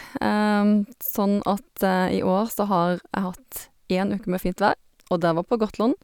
Sånn at i år så har jeg hatt én uke med fint vær, og det var på Gotland.